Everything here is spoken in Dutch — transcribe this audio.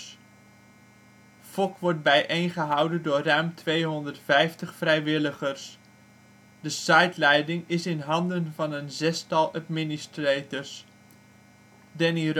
wordt bijeen gehouden door ruim 250 vrijwilligers. De siteleiding is in handen van een zestal administrators: Danny